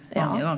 ja.